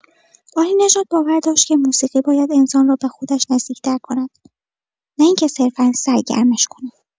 عالی‌نژاد باور داشت که موسیقی باید انسان را به خودش نزدیک‌تر کند، نه این‌که صرفا سرگرمش کند.